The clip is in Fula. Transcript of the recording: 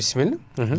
bissimila